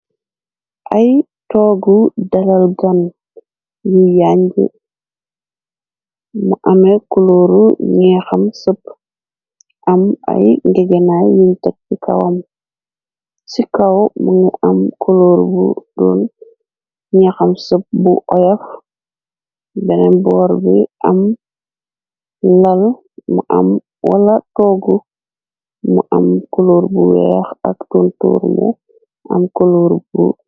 ay toogu dalal gan yu yàñj mu ame kolóoru ñeexam sëp am ay ngegenaay yiñ tëk ci kawam ci kaw mënga am koloor bu run ñeexam sëpp bu oyef benen boor bi am lal mu am wala toog mu am koloor bu weex ak tun turne am kolooru bu